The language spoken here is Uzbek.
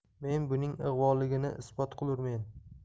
men buning ig'voligini isbot qilurmen